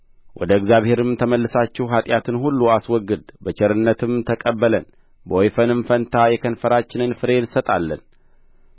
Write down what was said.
ወደ እግዚአብሔርም ተመልሳችሁ ኃጢአትን ሁሉ አስወግድ በቸርነትም ተቀበለን በወይፈንም ፋንታ የከንፈራችንን ፍሬ እንሰጣለን